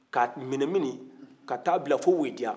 k'a minɛ mini ka t'a bila fo wediya